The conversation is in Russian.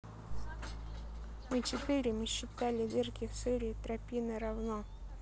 мы четыре мы считали дырки в сыре тропина равно